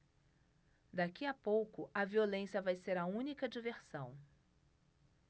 daqui a pouco a violência vai ser a única diversão